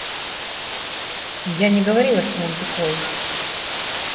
я не говорила что он тупой